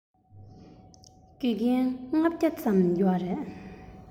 དགེ རྒན ༥༠༠ ཙམ ཡོད རེད